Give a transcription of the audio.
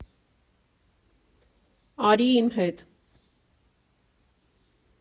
Արի իմ հետ։